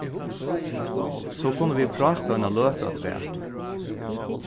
so kunnu vit práta eina løtu afturat